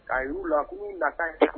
Ka y'u la k'u nakan